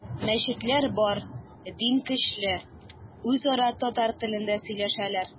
Мәчетләр бар, дин көчле, үзара татар телендә сөйләшәләр.